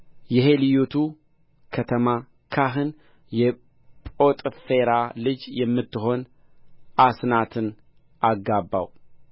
የሄልዮቱ ከተማ ካህን የጶጥፌራ ልጅ የምትሆን አስናትን አጋባው